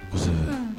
Kosɛbɛ